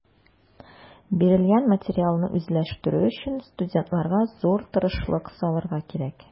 Бирелгән материалны үзләштерү өчен студентларга зур тырышлык салырга кирәк.